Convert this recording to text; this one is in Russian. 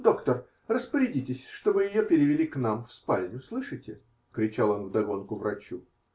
Доктор, распорядитесь, чтобы ее перевели к нам, в спальню, слышите? -- кричал он вдогонку врачу.